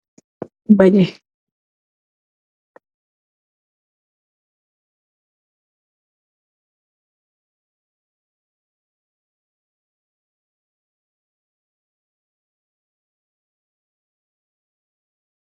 Banye.